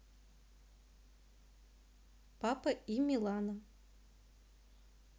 папа и милана